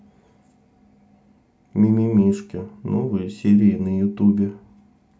мимимишки новые серии на ютубе